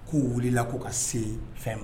K ko wulila' ka se fɛn